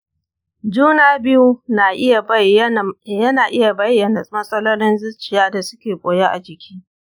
juna biyu na iya bayyana matsalolin zuciya da suke ɓoye a jiki.